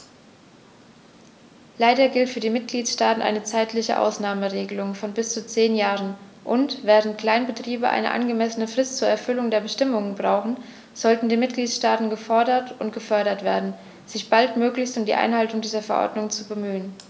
Leider gilt für die Mitgliedstaaten eine zeitliche Ausnahmeregelung von bis zu zehn Jahren, und, während Kleinbetriebe eine angemessene Frist zur Erfüllung der Bestimmungen brauchen, sollten die Mitgliedstaaten gefordert und gefördert werden, sich baldmöglichst um die Einhaltung dieser Verordnung zu bemühen.